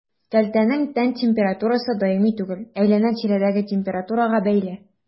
Кәлтәнең тән температурасы даими түгел, әйләнә-тирәдәге температурага бәйле.